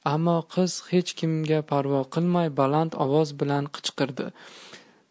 ammo qiz hech kimga parvo qilmay baland ovoz bilan qichqirdi